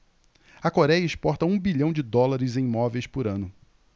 a coréia exporta um bilhão de dólares em móveis por ano